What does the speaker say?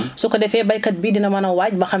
wala nawet boo xamante ne nii ndox ma du demee noonu